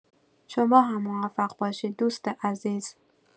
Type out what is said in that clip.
شما هم موفق باشید دوست عزیز